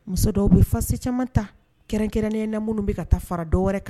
Muso dɔw bɛ fasi caman ta kɛrɛnkɛrɛn na minnu bɛ ka taa fara dɔw wɛrɛ kan